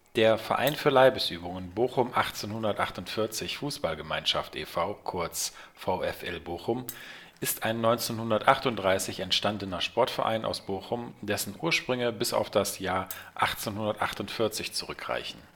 Der Verein für Leibesübungen Bochum 1848 – Fußballgemeinschaft e.V. (kurz: VfL Bochum) ist ein 1938 entstandener Sportverein aus Bochum, dessen Ursprünge bis auf das Jahr 1848 zurückreichen